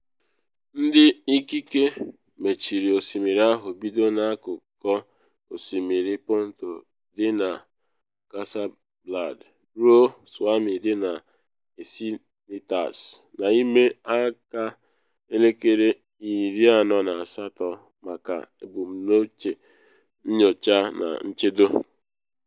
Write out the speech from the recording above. Ndị ikike mechiri osimiri ahụ bido na Akụkụ Osimiri Ponto dị na Casablad ruo Swami dị na Ecinitas n’ime aka elekere 48 maka ebumnuche nnyocha na nchedo.